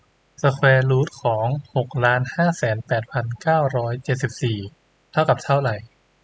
สแควร์รูทของหกล้านห้าแสนแปดพันเก้าร้อยเจ็ดสิบสี่เท่ากับเท่าไหร่